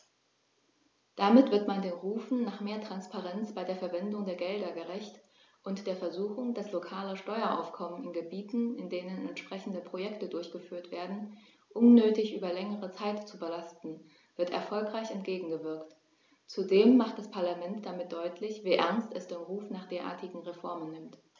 Damit wird man den Rufen nach mehr Transparenz bei der Verwendung der Gelder gerecht, und der Versuchung, das lokale Steueraufkommen in Gebieten, in denen entsprechende Projekte durchgeführt werden, unnötig über längere Zeit zu belasten, wird erfolgreich entgegengewirkt. Zudem macht das Parlament damit deutlich, wie ernst es den Ruf nach derartigen Reformen nimmt.